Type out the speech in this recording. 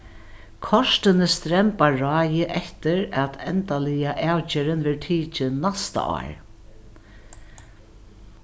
kortini strembar ráðið eftir at endaliga avgerðin verður tikin næsta ár